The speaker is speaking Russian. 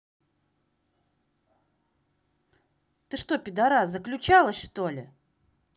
ты что пидарас заключалась что ли